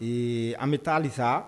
Ee an bɛ taali sa